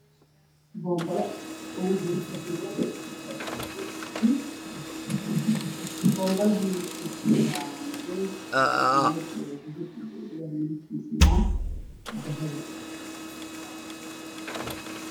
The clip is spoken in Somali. Waa boonbale midabkiisi yahay madow waxaa ku jiro ka tiinad midabkeedii hay dahabi